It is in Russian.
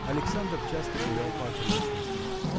Александр часто гулял по окрестностям.